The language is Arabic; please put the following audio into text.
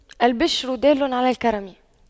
الْبِشْرَ دال على الكرم